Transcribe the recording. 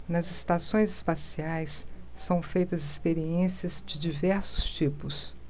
nas estações espaciais são feitas experiências de diversos tipos